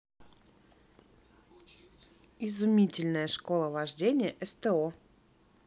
изумительная школа вождения сто